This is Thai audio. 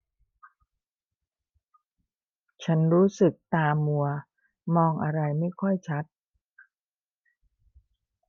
ฉันรู้สึกตามัวมองอะไรไม่ค่อยชัด